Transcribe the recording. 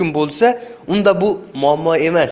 mumkin bo'lsa unda bu muammo emas